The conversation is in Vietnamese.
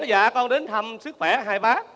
dạ con đến thăm sức khỏe hai bác